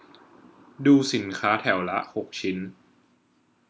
ดูสินค้าแถวละหกชิ้น